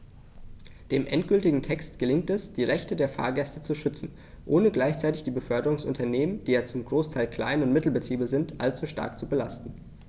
Dem endgültigen Text gelingt es, die Rechte der Fahrgäste zu schützen, ohne gleichzeitig die Beförderungsunternehmen - die ja zum Großteil Klein- und Mittelbetriebe sind - allzu stark zu belasten.